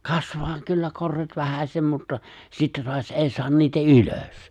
kasvaa kyllä korret vähäsen mutta sitten taas ei saa niitä ylös